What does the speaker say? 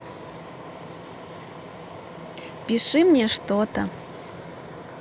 пиши мне что то